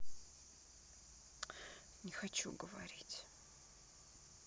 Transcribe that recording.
не хочу говорить